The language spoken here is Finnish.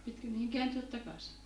pitikö niiden kääntyä takaisin